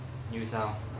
chúng ta sẽ tập như sau